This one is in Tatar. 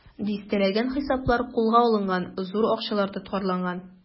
Дистәләгән хисаплар кулга алынган, зур акчалар тоткарланган.